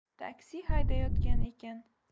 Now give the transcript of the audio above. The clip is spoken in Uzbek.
taksi haydayotgan ekan